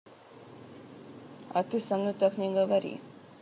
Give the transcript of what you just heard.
а ты со мной так не говори